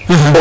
axa